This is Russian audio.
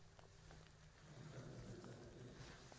механик гта пять